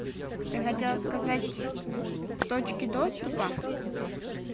ты хотела сказать точки доступа